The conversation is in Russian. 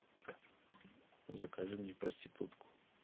закажи мне проститутку